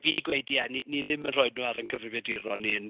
Fi 'di gweud ie, ni ni ddim yn rhoi nhw ar ein cyfrifiaduron ni yn...